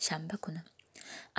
shanba kuni